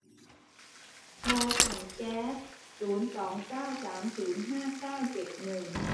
โทรสั่งแก๊สศูนย์สองเก้าสามศูนย์ห้าเก้าเจ็ดหนึ่ง